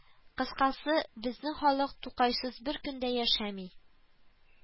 Кыскасы, безнең халык Тукайсыз бер көн дә яшәми